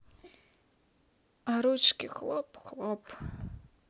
а ручки хлоп хлоп